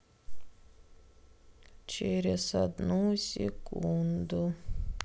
через одну секунду